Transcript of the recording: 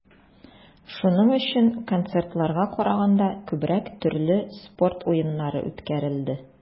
Шуның өчен, концертларга караганда, күбрәк төрле спорт уеннары үткәрелде.